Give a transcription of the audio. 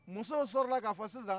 musow sɔrɔla k'a fɔ sisan